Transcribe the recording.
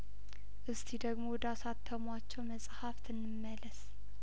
እስቲ ደግሞ ወደ አሳተሟቸው መጽሀፍት እንመለስ